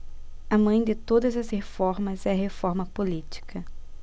a mãe de todas as reformas é a reforma política